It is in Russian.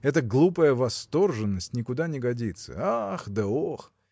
Эта глупая восторженность никуда не годится, ах да ох!